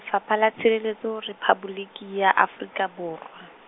fapha la Tshireletso Rephaboliki ya Afrika Borwa.